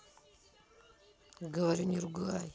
говорю не ругай